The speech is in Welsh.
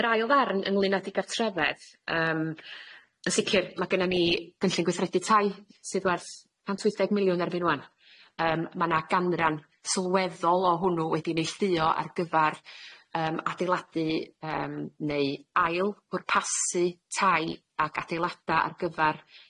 Yr ail ddarn ynglyn â digartreddedd yym yn sicir ma' gynnon ni gynllun gweithredu tai sydd werth cant wyth deg miliwn erbyn ŵan yym ma' 'na ganran sylweddol o hwnnw wedi neillduo ar gyfar yym adeiladu yym neu ail bwrpasu tai ag adeilada ar gyfar